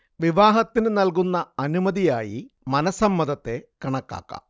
വിവാഹത്തിന് നൽകുന്ന അനുമതിയായി മനഃസമ്മതത്തെ കണക്കാക്കാം